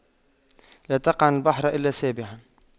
لا تقعن البحر إلا سابحا